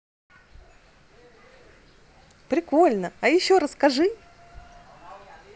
прикольно а еще расскажи